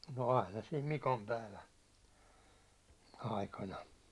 no aina sitten Mikonpäivän aikana